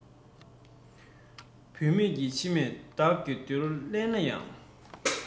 བུད མེད ཀྱི མཆི མས བདག གི འདོད བློ བརླན ན ཡང